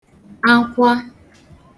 akwa